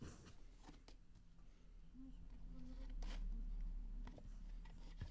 щенячий патруль рокки и его брат